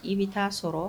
I bɛ taaa sɔrɔ